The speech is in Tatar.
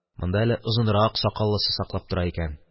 Монда әле озынрак сакаллысы саклап тора икән